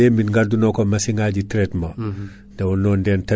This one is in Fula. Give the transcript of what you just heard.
*